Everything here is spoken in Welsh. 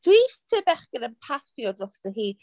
Dwi eisiau bechgyn yn paffio drosto hi.